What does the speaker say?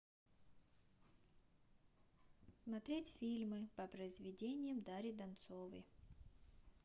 смотреть фильмы по произведениям дарьи донцовой